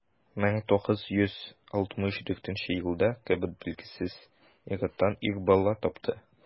1964 елда кэбот билгесез ир-аттан ир бала тапты.